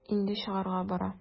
Инде чыгарга бара.